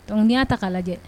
Donc n'i y'a ta k'a lajɛ